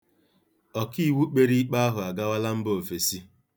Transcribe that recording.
Okiiwu kpere ikpe ahụ agawala mba ofesi.